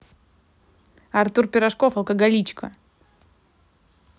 артур пирожков алкоголичка